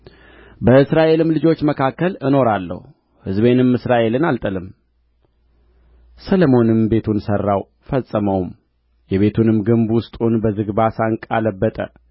በእስራኤልም ልጆች መካከል እኖራለሁ ሕዝቤንም እስራኤልን አልጥልም ሰሎሞንም ቤቱን ሠራው ፈጸመውም የቤቱንም ግንብ ውስጡን በዝግባ ሳንቃ ለበጠ